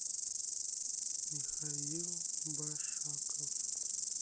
михаил башаков